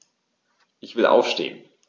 Ich will aufstehen.